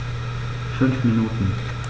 5 Minuten